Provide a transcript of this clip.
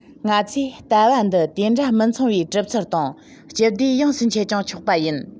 ང ཚོས ལྟ བ འདི དེ འདྲ མི མཚུངས པའི གྲུབ ཚུལ དང སྤྱི སྡེ ཡོངས སུ མཆེད ཀྱང ཆོག པ ཡིན